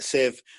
sef